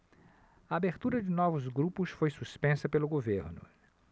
a abertura de novos grupos foi suspensa pelo governo